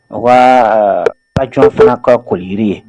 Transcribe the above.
Nka kaj fana ka koliri ye